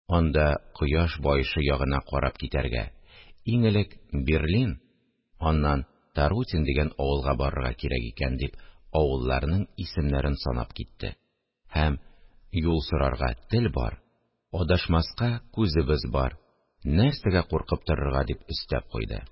Анда кояш баешы ягына карап китәргә, иң элек Берлин, аннан Тарутин дигән авылга барырга кирәк икән, – дип, авылларның исемнәрен санап китте һәм: – Юл сорарга – тел бар, адашмаска – күзебез бар, нәрсәгә куркып торырга, – дип өстәп куйды